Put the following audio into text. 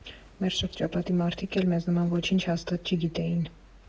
Մեր շրջապատի մարդիկ էլ մեզ նման ոչինչ հաստատ չգիտեին։